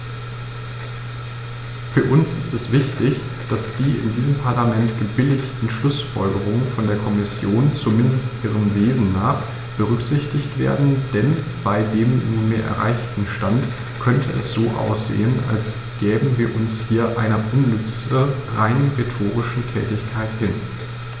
Für uns ist es wichtig, dass die in diesem Parlament gebilligten Schlußfolgerungen von der Kommission, zumindest ihrem Wesen nach, berücksichtigt werden, denn bei dem nunmehr erreichten Stand könnte es so aussehen, als gäben wir uns hier einer unnütze, rein rhetorischen Tätigkeit hin.